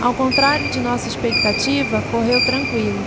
ao contrário de nossa expectativa correu tranqüilo